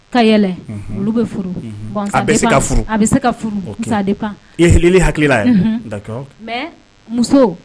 Ka yɛlɛ olu bɛ furu bɛ se ka furu hakilili hakilila muso